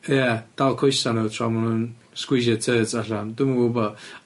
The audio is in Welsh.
Ie dal coesa nw tra ma' nw'n sgwisio turds allan, dwi'm yn gwbo.